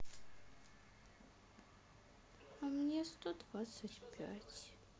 а мне сто двадцать пять